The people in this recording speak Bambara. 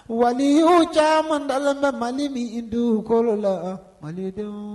Wa o camanda min i dukolo la mali